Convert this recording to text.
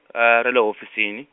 ra le hofisini.